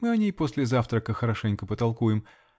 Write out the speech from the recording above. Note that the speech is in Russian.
мы о ней после завтрака хорошенько потолкуем